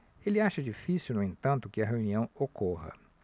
ele acha difícil no entanto que a reunião ocorra